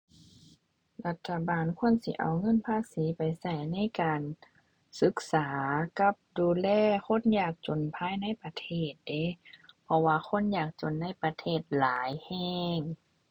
รัฐบาลควรสิเอาเงินภาษีไปใช้ในการศึกษากับดูแลคนยากจนภายในประเทศเดะ เพราะว่าคนยากจนในประเทศหลายใช้